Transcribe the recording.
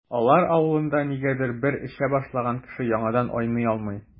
Алар авылында, нигәдер, бер эчә башлаган кеше яңадан айный алмый.